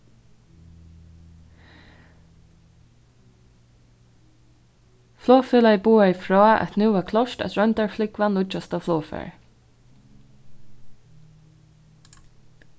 flogfelagið boðaði frá at nú var klárt at royndarflúgva nýggjasta flogfarið